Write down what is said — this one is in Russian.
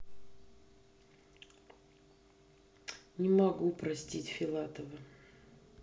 не могу простить филатова